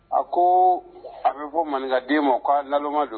A ko a bɛ bɔ manin den ma k'a lalma don